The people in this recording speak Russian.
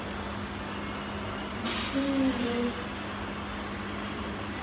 весенний лес